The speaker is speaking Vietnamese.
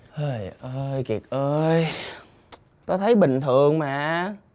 thời ơi kiệt ơi tao thấy bình thường mà